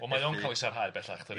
Wel mae o'n cael ei sarhau bellach tydi?